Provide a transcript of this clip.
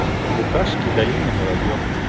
букашки долина муравьев